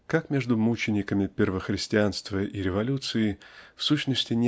Как между мучениками первохристианства и революции в сущности